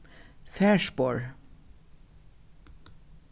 farspor